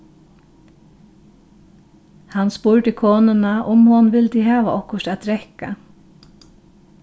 hann spurdi konuna um hon vildi hava okkurt at drekka